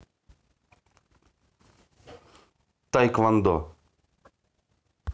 тайквандо